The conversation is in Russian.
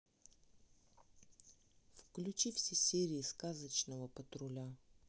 включи все серии сказочного патруля